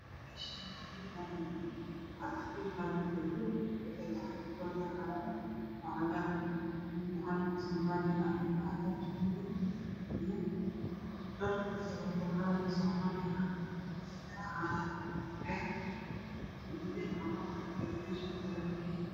Meeshaan waa meel banaan ah waxaa iskugu imaaday gabdho waxay gacanta ku wataan calamo oo cagaar ah midna calanka soomaaliya ah oo buluug iyo cadaan isku jira dhar waxay wataan calanka soomaaliya ah waxay garaacaayaan caag soo dhawayn camal ayay meesha u taagan yihiin.